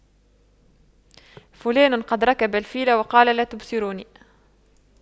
فلان قد ركب الفيل وقال لا تبصروني